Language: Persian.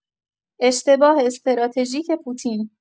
اشتباه استراتژیک پوتین